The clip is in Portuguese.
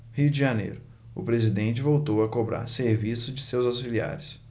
rio de janeiro o presidente voltou a cobrar serviço de seus auxiliares